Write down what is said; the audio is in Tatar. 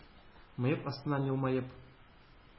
Мыек астыннан елмаеп: